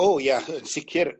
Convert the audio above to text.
o ia yn sicir